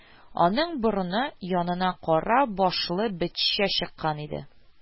Аның борыны янына кара башлы бетчә чыккан иде